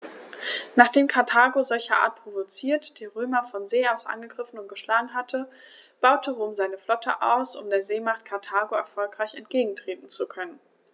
Nachdem Karthago, solcherart provoziert, die Römer von See aus angegriffen und geschlagen hatte, baute Rom seine Flotte aus, um der Seemacht Karthago erfolgreich entgegentreten zu können.